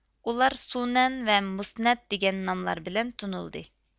ئۇلار سۈنەن ۋە مۇسنەد دىگەن ناملار بىلەن تونۇلدى